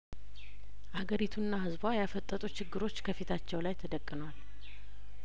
አገሪቱና ህዝቧ ያፈጠጡ ችግሮች ከፊታቸው ላይ ተደቅ ነዋል